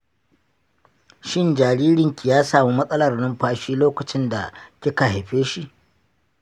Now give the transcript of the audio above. shin jaririnki ya samu matsalar numfashi lokacinda kika haifeshi?